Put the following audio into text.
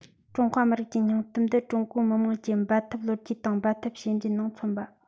ཀྲུང ཧྭ མི རིགས ཀྱི སྙིང སྟོབས འདི ཀྲུང གོའི མི དམངས ཀྱི འབད འཐབ ལོ རྒྱུས དང འབད འཐབ བྱས འབྲས ནང མཚོན པ